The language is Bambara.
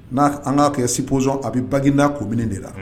N'a an k'a kɛ sipzsɔn a bɛ bagda kob de la